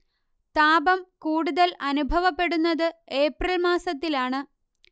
താപം കൂടുതൽ അനുഭവപ്പെടുന്നത് ഏപ്രിൽ മാസത്തിലാണ്